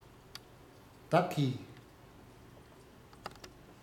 བདག གིས